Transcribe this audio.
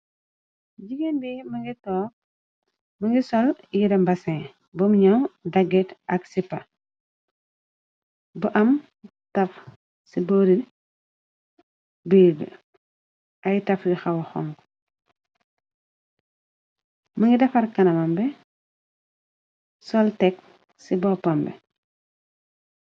Jigéen bi mënga toog mëngi sol yerem basin bom ñaw dagget. Ak sipa bu am taf ci boori biirb ay tafyu xawa xong. Mëngi defar kanamambe sol tekk ci boppambe.